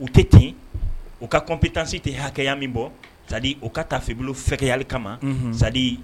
U te ten u ka compétence te hakɛya min bɔ c'est à dire u ka taafebolo fɛkɛyali kama unhun c'est à dire